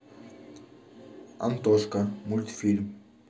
антошка мультфильм